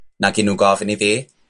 nag i nw gofyn i fi.